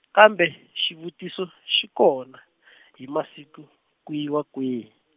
kambe xivutiso xi kona hi masiku ku yiwa kwihi.